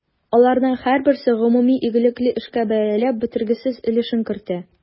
Аларның һәрберсе гомуми игелекле эшкә бәяләп бетергесез өлешен кертә.